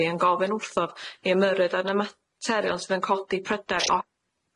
fi yn gofyn wrthodd i ymyrryd yn y materion sydd yn codi pryder o